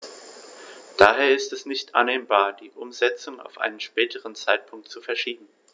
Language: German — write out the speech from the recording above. Daher ist es nicht annehmbar, die Umsetzung auf einen späteren Zeitpunkt zu verschieben.